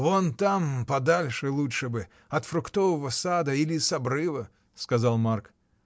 — Вон там подальше лучше бы: от фруктового сада или с обрыва, — сказал Марк.